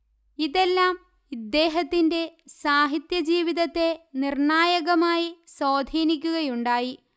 ഇതെല്ലാം ഇദ്ദേഹത്തിന്റെ സാഹിത്യജീവിതത്തെ നിർണായകമായി സ്വാധീനിക്കുകയുണ്ടായി